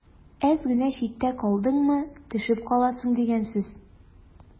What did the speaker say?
Әз генә читтә калдыңмы – төшеп каласың дигән сүз.